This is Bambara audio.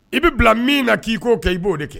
I bɛ bila min na k'i k'o kɛ i b'o de kɛ